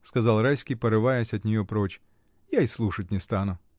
— сказал Райский, порываясь от нее прочь, — я и слушать не стану.